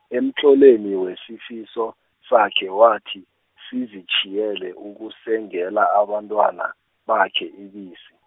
emtlolweni wesifiso, sakhe, wathi sizitjhiyele ukusengela abantwana, bakhe ibisi.